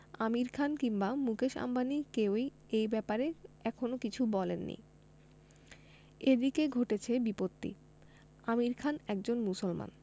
আমির খান কিংবা মুকেশ আম্বানি কেউই এ ব্যাপারে এখনো কিছু বলেননি এদিকে ঘটেছে বিপত্তি আমির খান একজন মুসলমান